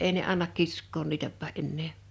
ei ne anna kiskoa niitäkään enää